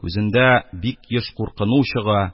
Күзендә бик еш куркыну чыга